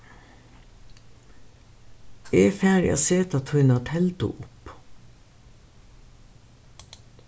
eg fari at seta tína teldu upp